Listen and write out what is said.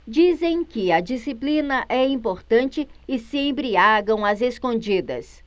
dizem que a disciplina é importante e se embriagam às escondidas